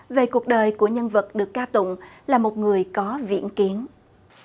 về cuộc đời của nhân vật được ca tụng là một người có viễn kiến